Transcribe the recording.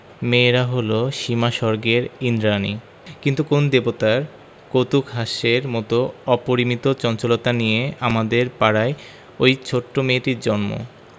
মেয়েরা হল সীমাস্বর্গের ঈন্দ্রাণী কিন্তু কোন দেবতার কৌতূকহাস্যের মত অপরিমিত চঞ্চলতা নিয়ে আমাদের পাড়ায় ঐ ছোট মেয়েটির জন্ম